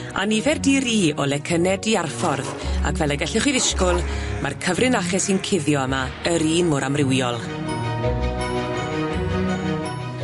a nifer di-ri o lecyne di-arffordd ac fel y gellwch chi ddisgwl ma'r cyfrinache sy'n cuddio yma yr un mor amrywiol.